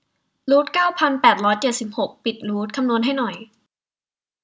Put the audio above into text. รูทเก้าพันแปดร้อยเจ็ดสิบหกปิดรูทคำนวณให้หน่อย